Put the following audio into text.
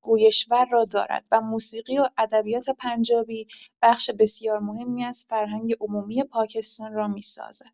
گویشور را دارد و موسیقی و ادبیات پنجابی بخش بسیار مهمی از فرهنگ عمومی پاکستان را می‌سازد.